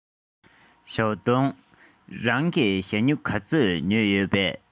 ཞའོ ཏུང རང གིས ཞྭ སྨྱུག ག ཚོད ཉོས ཡོད པས